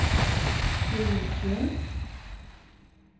frúutrøð